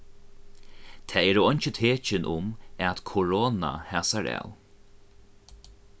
tað eru eingi tekin um at korona hæsar av